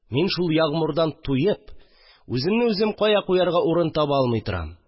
Мин шул ягъмурдан туеп, үземне үзем кая куярга урын таба алмый торам